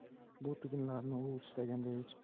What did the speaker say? bu tugunlarni u istaganday yechib